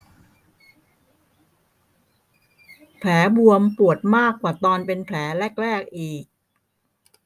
แผลบวมปวดมากกว่าตอนเป็นแผลแรกแรกอีก